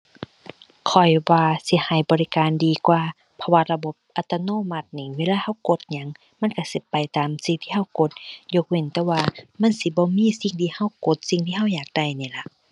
ข้อยว่าสิให้บริการดีกว่า เพราะว่าระบบอัตโนมัตินี้ เวลาเรากดหยัง มันเราสิไปตามสิ่งที่เรากด ยกเว้นแต่ว่ามันสิบ่มีสิ่งที่เรากด สิ่งที่เราอยากได้นี่ล่ะ